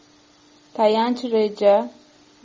tayanch reja